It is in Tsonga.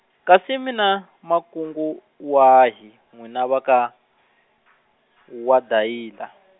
kasi mi na, makungu, wahi, n'wina va ka , waDayila?